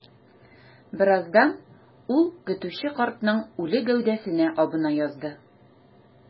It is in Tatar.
Бераздан ул көтүче картның үле гәүдәсенә абына язды.